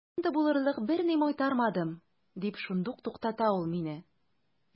Легенда булырлык берни майтармадым, – дип шундук туктата ул мине.